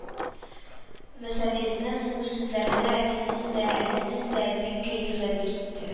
Мөсафирнең бу сүзләренә әтинең дә, әнинең дә бик кәефләре китте: